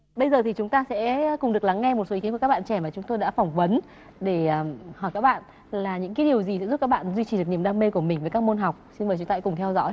bây giờ thì chúng ta sẽ cùng được lắng nghe một số ý kiến của các bạn trẻ mà chúng tôi đã phỏng vấn để hỏi các bạn là những cái điều gì sẽ giúp các bạn duy trì được niềm đam mê của mình với các môn học xin mời chúng ta hãy cùng theo dõi